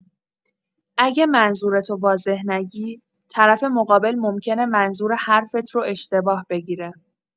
اگه منظورتو واضح نگی، طرف مقابل ممکنه منظور حرفت رو اشتباه بگیره.